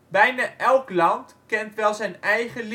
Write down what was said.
Bijna elk land kent wel zijn eigen